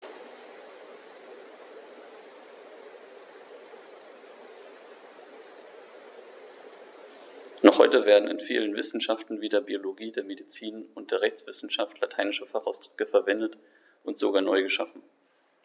Noch heute werden in vielen Wissenschaften wie der Biologie, der Medizin und der Rechtswissenschaft lateinische Fachausdrücke verwendet und sogar neu geschaffen.